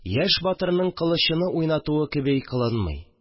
Яшь батырның кылычыны уйнатуы кеби кылынмый